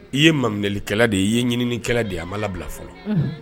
I ye malikɛla de ye i ye ɲinininikɛla de ye a mabila fɔlɔ